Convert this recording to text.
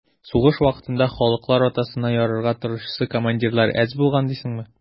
Сугыш вакытында «халыклар атасына» ярарга тырышучы командирлар әз булган дисеңме?